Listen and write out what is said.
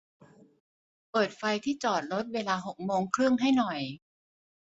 เปิดไฟที่จอดรถเวลาหกโมงครึ่งให้หน่อย